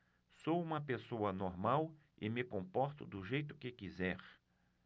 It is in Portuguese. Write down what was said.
sou homossexual e me comporto do jeito que quiser